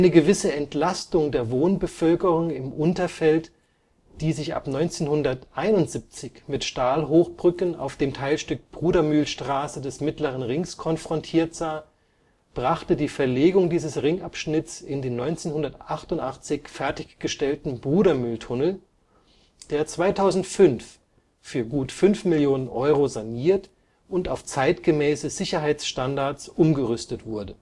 gewisse Entlastung der Wohnbevölkerung im Unterfeld, die sich ab 1971 mit Stahlhochbrücken auf dem Teilstück Brudermühlstraße des Mittleren Rings konfrontiert sah, brachte die Verlegung dieses Ringabschnitts in den 1988 fertiggestellten Brudermühltunnel, der 2005 für gut fünf Millionen Euro saniert und auf zeitgemäße Sicherheitsstandards umgerüstet wurde